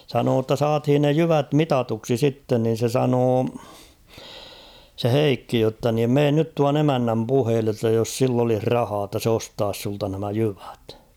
sanoi jotta saatiin ne jyvät mitatuksi sitten niin se sanoi se Heikki jotta niin mene nyt tuon emännän puheille että jos sillä olisi rahaa jotta se ostaisi sinulta nämä jyvät